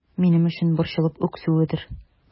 Минем өчен борчылып үксүедер...